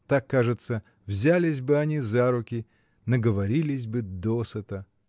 так, кажется, взялись бы они за руки, наговорились бы досыта.